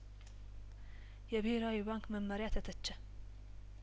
የብሄራዊ ባንክ መመሪያተ ተቸ